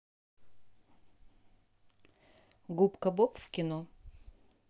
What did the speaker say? губка боб в кино